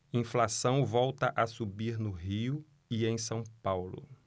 inflação volta a subir no rio e em são paulo